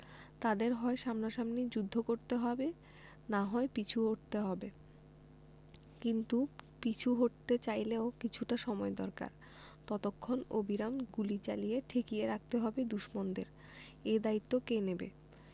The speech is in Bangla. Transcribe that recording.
তাঁদের হয় সামনাসামনি যুদ্ধ করতে হবে না হয় পিছু হটতে হবে কিন্তু পিছু হটতে চাইলেও কিছুটা সময় দরকার ততক্ষণ অবিরাম গুলি চালিয়ে ঠেকিয়ে রাখতে হবে দুশমনদের এ দায়িত্ব কে নেবে